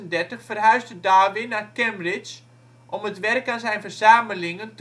verhuisde Darwin naar Cambridge om het werk aan zijn verzamelingen